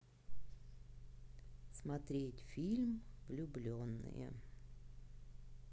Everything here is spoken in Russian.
смотреть фильм влюбленные